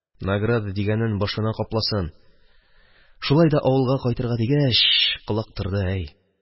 Награда дигәнен башына капласын, шулай да авылга кайтырга дигәч, колак торды, әй.